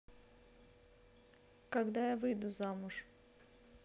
когда я выйду замуж